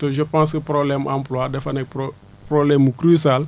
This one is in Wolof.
te je pense que problème mu emploie dafa nekk pro problème mu crucial